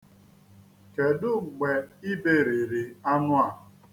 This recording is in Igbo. Kedụ mgbe i beriri anụ a?